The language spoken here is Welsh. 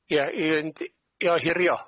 Ie, i ynd- i ohirio.